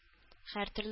Һәртөрле